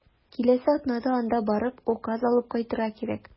Киләсе атнада анда барып, указ алып кайтырга кирәк.